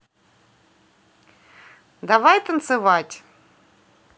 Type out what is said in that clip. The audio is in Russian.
давай танцевать